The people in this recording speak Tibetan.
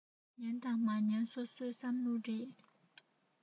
ཉན དང མ ཉན སོ སོའི བསམ བློ རེད